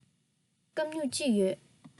སྐམ སྨྱུག གཅིག ཡོད